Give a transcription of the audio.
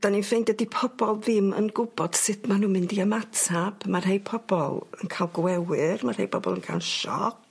'Dan ni'n ffeindio 'di pobol ddim yn gwbod sut ma' nhw mynd i ymatab ma' rhei pobol yn ca'l gwewyr ma' rhei pobol yn ca'ln sioc.